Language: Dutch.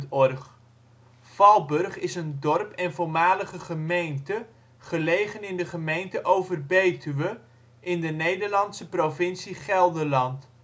OL Valburg Plaats in Nederland Situering Provincie Gelderland Gemeente Overbetuwe Coördinaten 51° 55′ NB, 5° 47′ OL Algemeen Inwoners (2005) 1810 Portaal Nederland Beluister (info) Valburg, kerk Valburg is een dorp en voormalige gemeente, gelegen in de gemeente Overbetuwe, in de Nederlandse provincie Gelderland